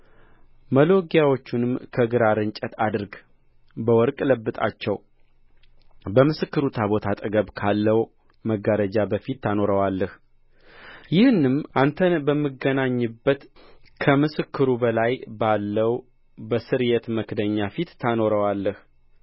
መሎጊያዎቹንም ከግራር እንጨት አድርግ በወርቅም ለብጣቸው በምስክሩ ታቦት አጠገብም ካለው መጋረጃ በፊት ታኖረዋለህ ይህንም አንተን በምገናኝበት ከምስክሩ በላይ ባለው በስርየት መክደኛ ፊት ታኖረዋለህ